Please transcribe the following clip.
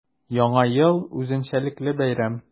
Яңа ел – үзенчәлекле бәйрәм.